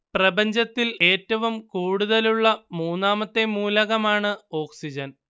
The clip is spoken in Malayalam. പ്രപഞ്ചത്തില് ഏറ്റവും കൂടുതലുള്ള മൂന്നാമത്തെ മൂലകമാണ് ഓക്സിജന്‍